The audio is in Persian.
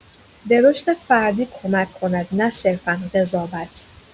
به رشد فردی کمک کند، نه صرفا قضاوت!